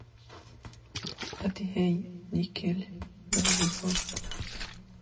адыгея никель новый год